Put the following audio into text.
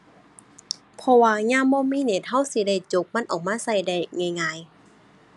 เพราะว่ายามบ่มีเน็ต เราสิได้จกมันออกมาเราได้ง่ายง่าย